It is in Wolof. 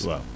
waaw